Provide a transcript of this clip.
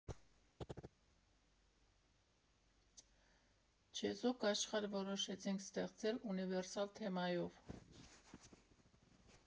Չեզոք աշխարհ որոշեցինք ստեղծել՝ ունիվերսալ թեմայով։